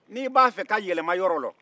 ni i b'a fɛ ka yɛlɛma yɔrɔ la